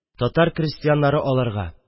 Татар крәстиәннәре аларга: